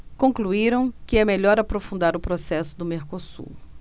concluíram que é melhor aprofundar o processo do mercosul